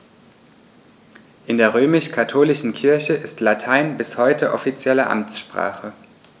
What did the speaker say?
In der römisch-katholischen Kirche ist Latein bis heute offizielle Amtssprache.